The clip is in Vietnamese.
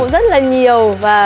rất là nhiều và